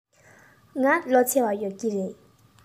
ང ལོ ཆེ བ ཡོད ཀྱི རེད